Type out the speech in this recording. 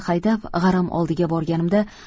haydab g'aram oldiga borganimda